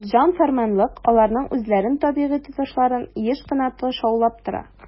"җан-фәрманлык" аларның үзләрен табигый тотышларын еш кына тышаулап тора.